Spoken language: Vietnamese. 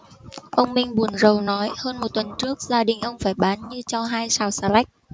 ông minh buồn rầu nói hơn một tuần trước gia đình ông phải bán như cho hai sào xà lách